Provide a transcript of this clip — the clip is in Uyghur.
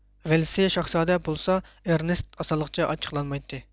ۋىلسېي شاھزادە بولسا ئېرنېست ئاسانلىقچە ئاچچىقلانمايتتى